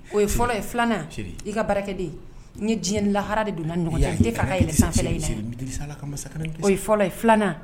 O ye fɔlɔ ye cherie , 2 nan i ka barakɛden ye, n ye diɲɛ ni lahara de don n'a ni ɲɔgɔn , n tɛ fɛ a ka yɛlɛn safɛla in na yan.o ye ffɔlɔ ye, ee cherie b'i deeli sa, o ye fɔlɔ ye, 2nan